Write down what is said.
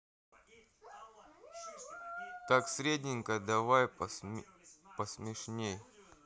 так средненько давай посмешней